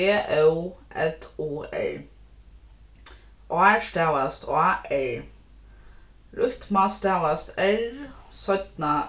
g ó ð u r ár stavast á r rytma stavast r seinna